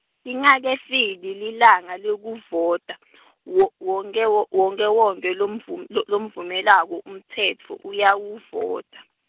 Lingakefiki lilanga lekuvota , wo- wonkewo- wonkhewonkhe lomvum- lo- lomvumelako, umtsetfo, uyawuvota.